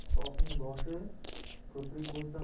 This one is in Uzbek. sipohining boshi ko'prikbo'lsa